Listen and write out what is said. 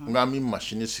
N k'an bɛ machine sigi